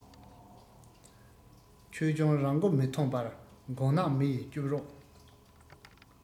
ཆོས སྐྱོང རང མགོ མི ཐོན པར མགོ ནག མི ཡི སྐྱོབ རོག